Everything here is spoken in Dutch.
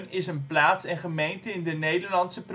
is een plaats en gemeente in de Nederlandse